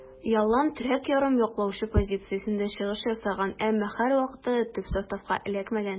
Ялланн терәк ярым яклаучы позициясендә чыгыш ясаган, әмма һәрвакытта да төп составка эләкмәгән.